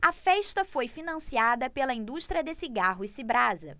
a festa foi financiada pela indústria de cigarros cibrasa